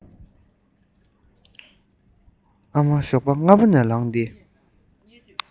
ཨ མ ཞོགས པ སྔ མོ ནས ལངས ཏེ